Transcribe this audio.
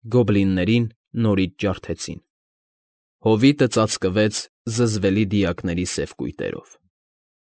Գոբլիններին նորից ջարդեցին։ Հովիտը ծածկվեց զզվելի դիակների սև կույտերով։